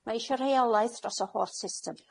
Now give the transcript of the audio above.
Ma' isie rheolaeth dros y holl system.